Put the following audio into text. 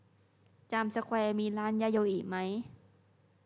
จามสแควร์มีร้านยาโยอิไหม